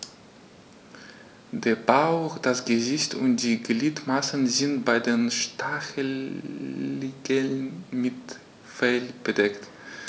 Der Bauch, das Gesicht und die Gliedmaßen sind bei den Stacheligeln mit Fell bedeckt.